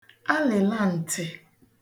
alị̀laǹtị̀